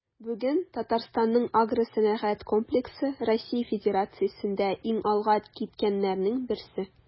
Бүген Татарстанның агросәнәгать комплексы Россия Федерациясендә иң алга киткәннәрнең берсе.